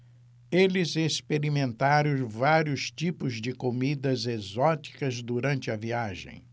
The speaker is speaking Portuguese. eles experimentaram vários tipos de comidas exóticas durante a viagem